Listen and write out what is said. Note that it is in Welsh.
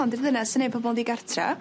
Hon di'r ddynes sy'n pobol yn ddi gartra.